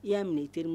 I y'a minɛ terire ma